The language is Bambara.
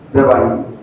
Ne b'a ɲini